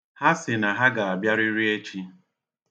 Ha sị na ha ga-abịarịrị echi.